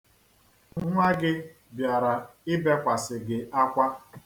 Nnwa gị bịara ibekwasị gị akwa.